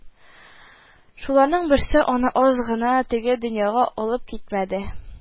Шуларның берсе аны аз гына теге дөньяга алып китмәде